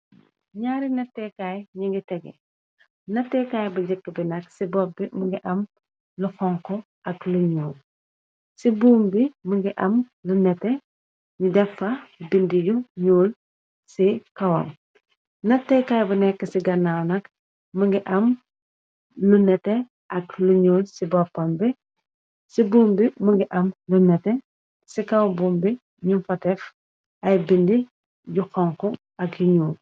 Naari nattekaay nungi tehgeh. Natteekaay bu jëkk bi nak, ci bop bi më ngi am lu honku ak luñuuw, ci buum bi më ngi am lu nete nu defa bindi yu ñuul ci kawam. Natteekaay bu nekk ci gannaaw nak më ngi am lu nete ak luñuul ci boppam bi, ci buum bi më ngi am lu nete, ci kaw buum bi ñum fateef ay bindi yu honku ak yu ñuul.